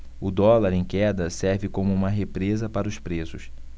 o dólar em queda serve como uma represa para os preços